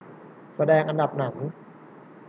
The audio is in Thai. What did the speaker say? แสดงอันดับหนัง